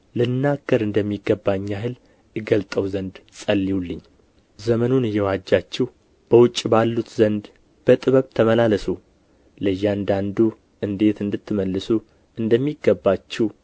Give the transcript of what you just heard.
ልናገር እንደሚገባኝ ያህል እገልጠው ዘንድ ጸልዩልኝ ዘመኑን እየዋጃችሁ በውጭ ባሉቱ ዘንድ በጥበብ ተመላለሱ ለእያንዳንዱ እንዴት እንድትመልሱ እንደሚገባችሁ